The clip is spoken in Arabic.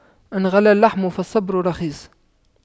إن غلا اللحم فالصبر رخيص